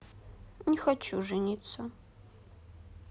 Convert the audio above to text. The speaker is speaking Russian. не хочу жениться